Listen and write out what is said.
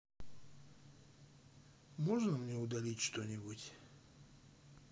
можно мне удалить что нибудь